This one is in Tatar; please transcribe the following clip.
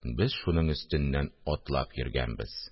Без шуның өстеннән атлап йөргәнбез